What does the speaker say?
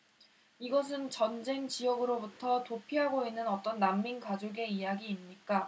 이것은 전쟁 지역으로부터 도피하고 있는 어떤 난민 가족의 이야기입니까